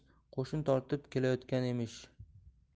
qo'shin tortib kelayotgan emish